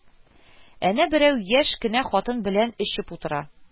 Әнә берәү яшь кенә хатын белән эчеп утыра